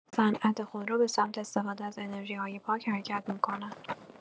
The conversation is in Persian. صنعت خودرو به سمت استفاده از انرژی‌های پاک حرکت می‌کند.